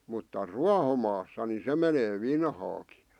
mutta ruohomaassa niin se menee vinhaakin